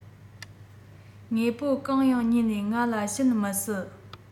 དངོས པོ གང ཡང ཉོ ནས ང ལ བྱིན མི སྲིད